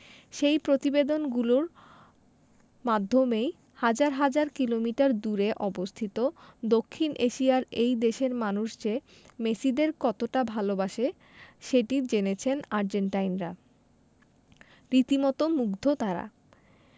সেই প্রতিবেদনগুলোর মাধ্যমেই হাজার হাজার কিলোমিটার দূরে অবস্থিত দক্ষিণ এশিয়ার এই দেশের মানুষ যে মেসিদের কতটা ভালোবাসে সেটি জেনেছেন আর্জেন্টাইনরা রীতিমতো মুগ্ধ তাঁরা